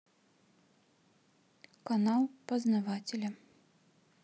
канал познаватели